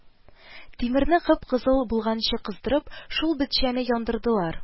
Тимерне кып-кызыл булганчы кыздырып, шул бетчәне яндырдылар